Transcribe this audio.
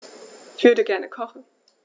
Ich würde gerne kochen.